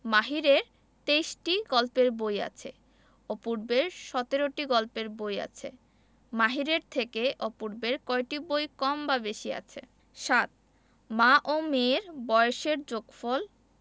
মাহিরের ২৩টি গল্পের বই আছে অপূর্বের ১৭টি গল্পের বই আছে মাহিরের থেকে অপূর্বের কয়টি বই বেশি বা কম আছে ৭ মা ও মেয়ের বয়সের যোগফল